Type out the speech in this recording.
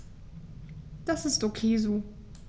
Das ist ok so.